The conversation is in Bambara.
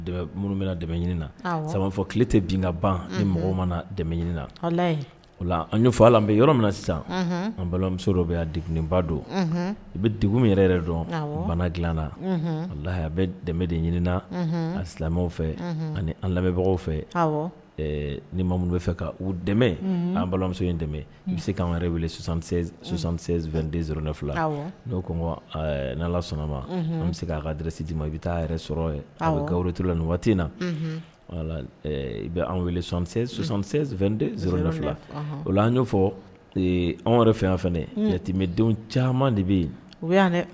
An yɔrɔ min sisan an balimamuso dɔ don i bɛ dila la bɛ de silamɛ fɛ ani an lamɛnbagaw fɛ ni ma fɛ an balimamuso bɛ se2denɛ fila n'o kɔn n sɔnna ma an bɛ se k'a ka dɛrɛsi' ma i bɛ taa yɛrɛ sɔrɔ torala nin waati in na i bɛ an fila o la an'o fɔ an yɛrɛ fɛn fanamɛdenw caman de bɛ yen